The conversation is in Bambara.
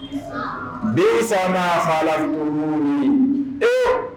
Bisa a fa laumuni ye ee